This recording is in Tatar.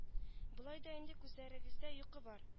Болай да инде күзләрегездә йокы бар